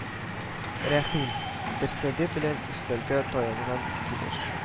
Рәхим, терсәге белән өстәлгә таянган килеш: